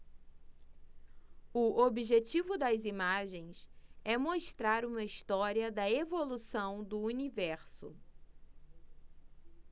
o objetivo das imagens é mostrar uma história da evolução do universo